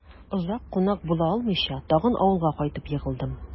Озак кунак була алмыйча, тагын авылга кайтып егылдым...